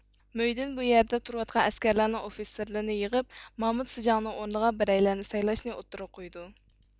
مۆيدىن بۇيەردە تۇرۇۋاتقان ئەسكەرلەرنىڭ ئوفىتسېرلىرىنى يىغىپ مامۇت سىجاڭنىڭ ئورنىغا بىرەيلەننى سايلاشنى ئوتتۇرىغا قويىدۇ